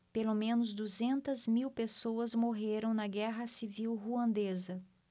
pelo menos duzentas mil pessoas morreram na guerra civil ruandesa